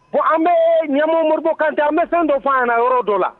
Bon an bɛ ɲɛmgɔ Modibo Kantɛ an bɛ fɛn dɔ f'a ɲɛna yɔrɔ dɔ la